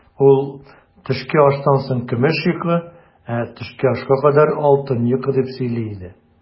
Ул, төшке аштан соң көмеш йокы, ә төшке ашка кадәр алтын йокы, дип сөйли иде.